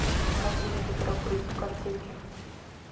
как выглядит рак груди картинки